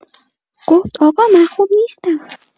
گفت آقا من خوب نیستم.